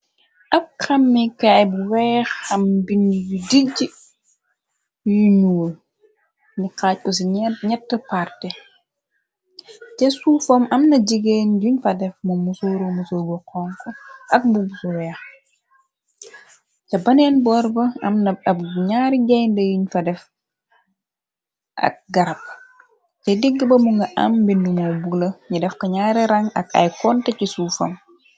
Ab xammikay bu weex am bindyu dijj yu ñuul ni xaajko ci ñett parte ce suufam am na jigeen yuñ fa def mu mu sooru mu soobu xonk ak bubusu weex ce baneen borb ab ñaari jeynde yuñ fa def ak garab te digg ba mu nga am mbindumoo bula ni def ka ñaari ran ak ay kont ci suufam.